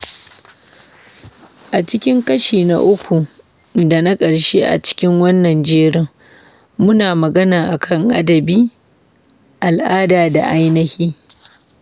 A cikin kashi na uku da na ƙarshe a cikin wannan jerin, muna magana akan adabi, al'ada da ainahi.